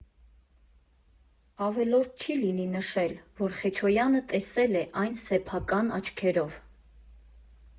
Ավելորդ չի լինի նշել, որ Խեչոյանը տեսել է այն սեփական աչքերով։